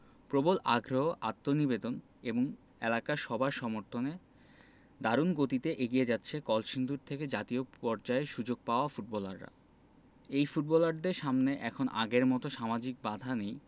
প্রবল আগ্রহ আত্মনিবেদন এবং এলাকার সবার সমর্থনে দারুণ গতিতে এগিয়ে যাচ্ছে কলসিন্দুর থেকে জাতীয় পর্যায়ে সুযোগ পাওয়া ফুটবলাররা এই ফুটবলারদের সামনে এখন আগের মতো সামাজিক বাধা নেই